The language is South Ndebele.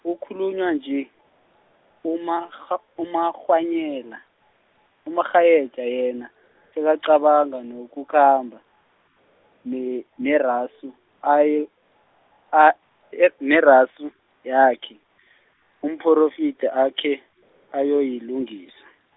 kukhulunywa nje, uMakg- uMakghwanyela, umaKgwayeja yena, selacabanga nokukhamba, ne- neraso aye, a- e- neraso yakhe, Umporofidi akhe, ayoyilungisa.